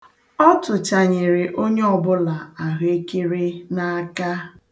Ọ tụnchanyere onyeọbụla ahụekere n'aka.